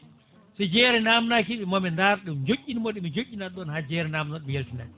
so jeere namdakiɗe moɓe darɗe joƴinmoɓe mi joƴinaɗe ɗon ha jeere namdo mi yaltina ɗe